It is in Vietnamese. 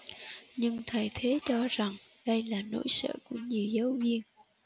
nhưng thầy thế cho rằng đây là nỗi sợ của nhiều giáo viên